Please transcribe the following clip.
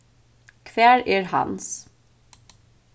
hvar er hans